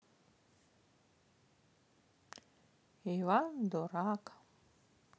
иван дурак